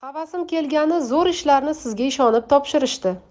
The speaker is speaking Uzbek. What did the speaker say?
havasim kelganiki zo'r ishlarni sizga ishonib topshirishdi